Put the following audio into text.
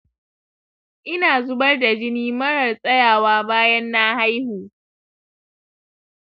ina zubar da jini marar tsayawa bayan na haihu